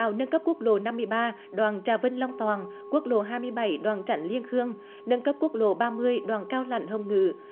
tạo nâng cấp quốc lộ năm mươi ba đoạn trà vinh long toàn quốc lộ hai mươi bảy đoạn tránh liên khương nâng cấp quốc lộ ba mươi đoạn cao lãnh hồng ngự